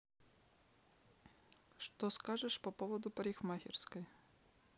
что скажешь по поводу парикмахерской